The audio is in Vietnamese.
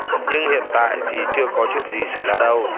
nhưng hiện tại thì chưa có chuyện gì xảy ra đâu